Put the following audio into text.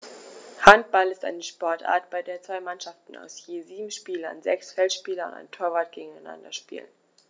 Handball ist eine Sportart, bei der zwei Mannschaften aus je sieben Spielern (sechs Feldspieler und ein Torwart) gegeneinander spielen.